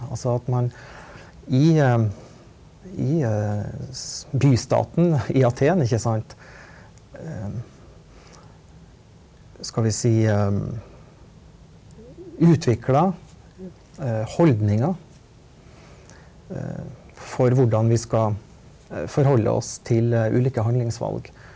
altså at man i i bystaten i Aten ikke sant skal vi si utvikler holdninger for hvordan vi skal forholde oss til ulike handlingsvalg,